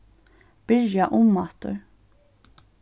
byrja umaftur